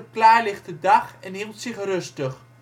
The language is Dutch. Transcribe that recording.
klaarlichte dag en hield zich rustig